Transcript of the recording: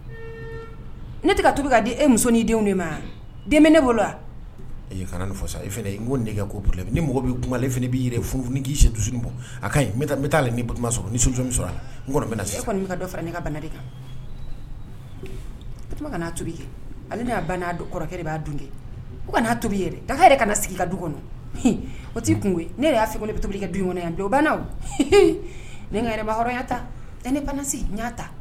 Ne di e ni b'i bɔ sɔrɔ e kɔni dɔ ne ka kan to kɛ ale kɔrɔkɛ b'a dun tobi i yɛrɛ kana sigi ka du kɔnɔ o t tɛi kun ne y'a ne bɛ tobili i kɛ du yan don ne ka baɔrɔnya ta ne ta